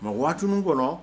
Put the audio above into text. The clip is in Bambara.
Mɛ waatitun kɔnɔ